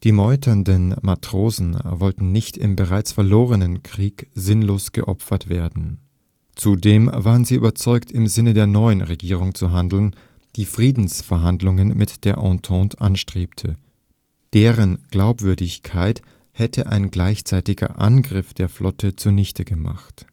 meuternden Matrosen wollten nicht im bereits verlorenen Krieg sinnlos geopfert werden. Zudem waren sie überzeugt, im Sinne der neuen Regierung zu handeln, die Friedensverhandlungen mit der Entente anstrebte. Deren Glaubwürdigkeit hätte ein gleichzeitiger Angriff der Flotte zunichtegemacht